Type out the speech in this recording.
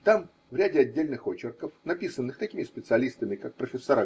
Там в ряде отдельных очерков, написанных такими специалистами, как проф.